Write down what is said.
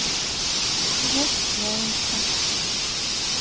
значит пьяница